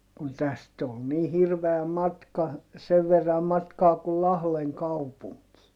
kun tästä oli niin hirveä matka sen verran matkaa kuin Lahden kaupunkiin